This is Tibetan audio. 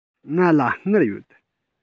ང ལ དངུལ ཡོད